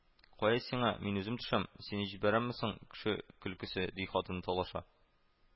— кая сиңа, мин үзем төшәм, сине җибәрәмме соң, кеше көлкесе! — дип хатын талаша